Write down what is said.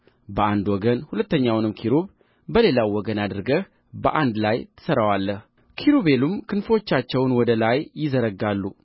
በአንድ ወገን ሁለተኛውንም ኪሩብ በሌላው ወገን አድርገህ በአንድ ላይ ትሠራዋለህ ኪሩቤልም ክንፎቻቸውን ወደ ላይ ይዘረጋሉ